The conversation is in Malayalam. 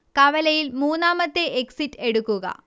കവലയിൽ മൂന്നാമത്തെ എക്സിറ്റ് എടുക്കുക